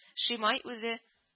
Шимай үзе